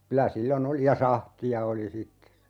kyllä silloin oli ja sahtia oli sitten